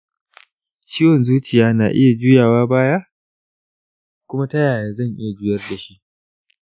ciwon zuciya na iya juyawa baya kuma ta yaya zan iya juyar da shi?